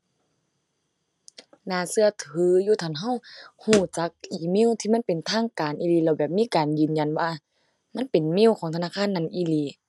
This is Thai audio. น่าเชื่อถืออยู่ ถ้าคันเชื่อเชื่อจักอีเมลที่มันเป็นทางการอีหลี แล้วแบบมีการยืนยันว่ามันเป็นเมลของธนาคารนั้นอีหลี